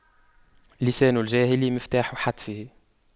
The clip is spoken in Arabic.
لسان الجاهل مفتاح حتفه